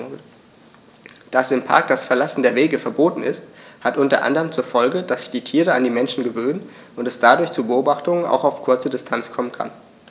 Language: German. Dass im Park das Verlassen der Wege verboten ist, hat unter anderem zur Folge, dass sich die Tiere an die Menschen gewöhnen und es dadurch zu Beobachtungen auch auf kurze Distanz kommen kann.